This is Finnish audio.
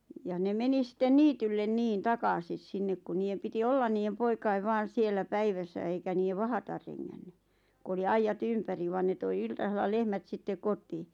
ja ne meni sitten niitylle niin takaisin sinne kun niiden piti olla niiden poikien vain siellä päivässä eikä niiden vahdata rengännyt kun oli aidat ympäri vaan ne toi iltasella lehmät sitten kotiin